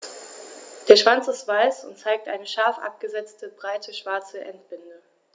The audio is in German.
Der Schwanz ist weiß und zeigt eine scharf abgesetzte, breite schwarze Endbinde.